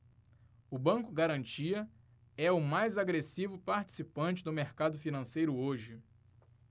o banco garantia é o mais agressivo participante do mercado financeiro hoje